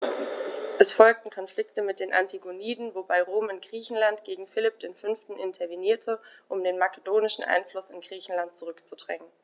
Es folgten Konflikte mit den Antigoniden, wobei Rom in Griechenland gegen Philipp V. intervenierte, um den makedonischen Einfluss in Griechenland zurückzudrängen.